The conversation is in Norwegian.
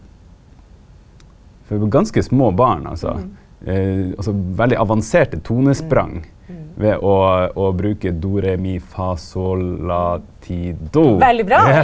for var ganske små barn altså altså veldig avanserte tonesprang ved å å bruka .